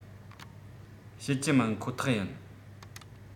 བྱེད ཀྱི མིན ཁོ ཐག ཡིན